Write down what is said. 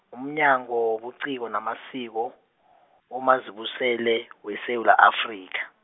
umnyango wobuciko namasiko , uMazibusele weSewula Afrika.